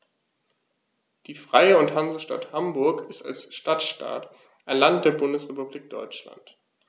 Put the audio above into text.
Die Freie und Hansestadt Hamburg ist als Stadtstaat ein Land der Bundesrepublik Deutschland.